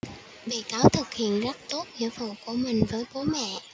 bị cáo thực hiện rất tốt nghĩa vụ của mình với bố mẹ